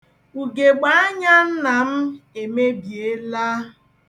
Ugegbeanya nna m emebiela.